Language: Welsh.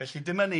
Felly dyma ni.